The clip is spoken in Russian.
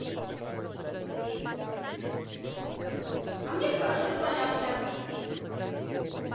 а мне хорошо с вами общаться